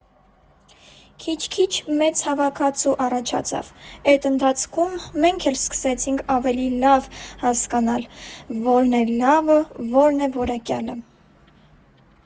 Քիչ֊քիչ մեծ հավաքածու առաջացավ, էդ ընթացքում մենք էլ սկսեցինք ավելի լավ հասկանալ՝ որն է լավը, որն է որակյալը։